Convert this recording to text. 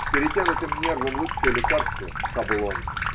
Перетянутым нервам лучшее лекарство шаблон.